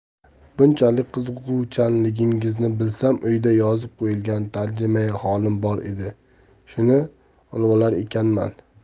bunchalik qiziquvchanligingizni bilsam uyda yozib qo'yilgan tarjimai holim bor edi shuni olvolar ekanman